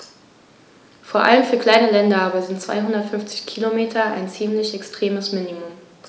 Vor allem für kleine Länder aber sind 250 Kilometer ein ziemlich extremes Minimum.